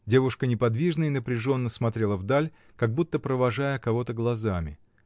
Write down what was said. Девушка неподвижно и напряженно смотрела вдаль, как будто провожая кого-то глазами.